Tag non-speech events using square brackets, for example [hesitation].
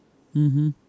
[hesitation] [hesitation]